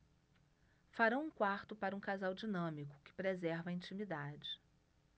farão um quarto para um casal dinâmico que preserva a intimidade